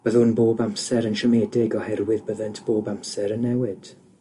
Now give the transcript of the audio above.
byddwn bob amser yn siomedig oherwydd byddent bob amser yn newid.